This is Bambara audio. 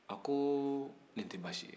a ko nin tɛ baasi ye